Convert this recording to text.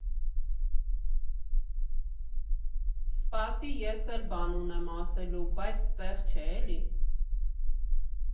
֊ Սպասի, ես էլ եմ բան ունեմ ասելու, բայց ստեղ չէ էլի։